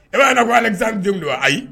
E b'a ko alesa jamu don ayi